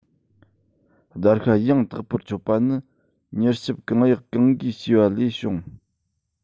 བརྡར ཤ ཡང དག པར ཆོད པ ནི མྱུལ ཞིབ གང ཡག གང དགོས བྱས པ ལས བྱུང